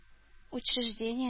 Учреждение